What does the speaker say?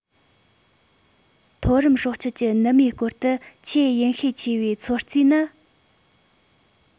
མཐོ རིམ སྲོག ཆགས ཀྱི ནུ མའི སྐོར དུ ཆེས ཡིན ཤས ཆེ བའི ཚོད རྩིས ནི